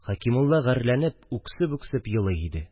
Хәкимулла гарьләнеп үксеп-үксеп елый иде